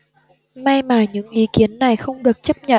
may mà những ý kiến này không được chấp nhận